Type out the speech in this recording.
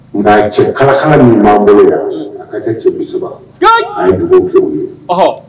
Nka cɛ kalakala b'an bolo a ka cɛ a ye dugu ye